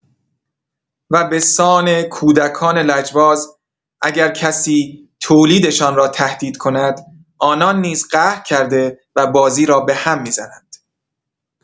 و بسان کودکان لجباز اگر کسی تولیدشان را تهدید کند آنان نیز قهر کرده و بازی را بهم می‌زنند.